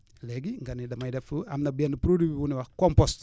léegi nga ne damay def am na benn produit bu ñuy wax compost